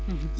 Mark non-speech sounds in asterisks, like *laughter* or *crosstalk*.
*hesitation* *hesitation*